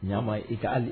N'a ma i ka hali